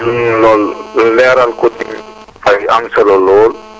ñun loolu leeral ko tamit day am solo lool